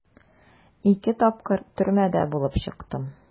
Ике тапкыр төрмәдә булып чыктым.